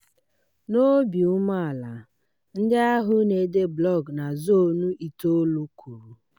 N'obi umeala, ndị ahụ na-ede blọọgụ na Zone9 kwuru: